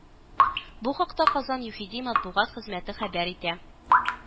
Бу хакта Казан ЮХИДИ матбугат хезмәте хәбәр итә